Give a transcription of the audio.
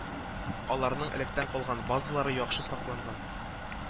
Аларның электән калган базалары яхшы сакланган